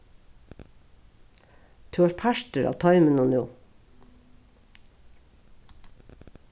tú ert partur av toyminum nú